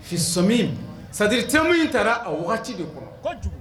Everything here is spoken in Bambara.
C'est à dire terme in taara a waati de quoi kojugu.